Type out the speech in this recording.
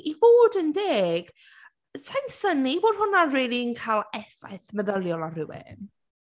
I fod yn deg, sa i’n synnu bod hwnna'n rili yn cael effaith meddyliol ar rhywun.